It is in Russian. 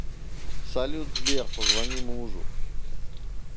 салют сбер позвони мужу